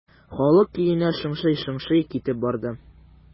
Халык көенә шыңшый-шыңшый китеп барды.